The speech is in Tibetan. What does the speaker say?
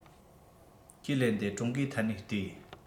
ཁས ལེན དེ ཀྲུང གོའི ཐད ནས བལྟས